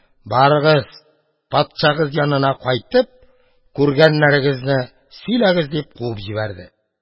Барыгыз, патшагыз янына кайтып, күргәннәрегезне сөйләгез! – дип куып җибәрде.